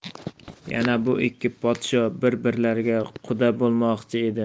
yana bu ikki podsho birbirlariga quda bo'lmoqchi edilar